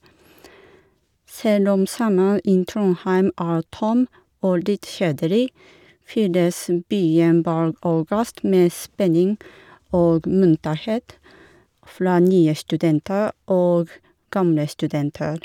Selv om sommer i Trondheim er tom og litt kjedelig, fylles m byen bare august med spenning og munterhet fra nye studenter og gamle studenter.